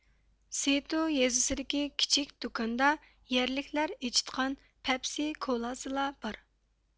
سېتو يېزىسىدىكى كىچىك دۇكاندا يەرلىكلەر ئېچىتقان پەپسى كولاسىلا بار